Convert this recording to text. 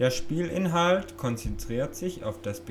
Spielinhalt konzentriert sich auf das